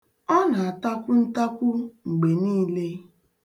Ọ na-atakwu ntakwu mgbe niile.